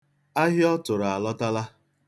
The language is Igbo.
Ahịa ọ tụrụ alọtala.